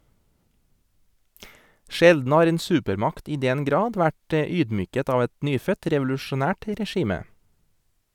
Sjelden har en supermakt i den grad vært ydmyket av et nyfødt, revolusjonært regime.